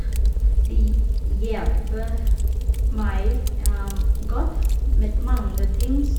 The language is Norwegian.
De hjelper meg godt med mange ting.